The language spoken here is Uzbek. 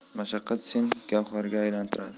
mashaqqat seni gavharga aylantiradi